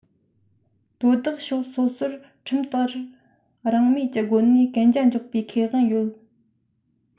དོ བདག ཕྱོགས སོ སོར ཁྲིམས ལྟར རང མོས ཀྱི སྒོ ནས གན རྒྱ འཇོག རྒྱུའི ཁེ དབང ཡོད